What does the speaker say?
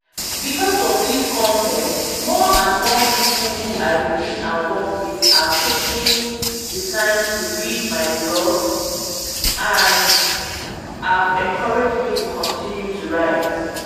Because of this contest, more and more people who I live and work with have taken the time to read my blog and have encouraged me to continue to write.